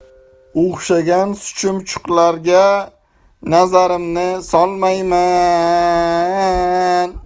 o'xshagan schumchuqlarga nazarimni solmayman